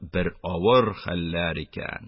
Бер авыр хәлләр икән.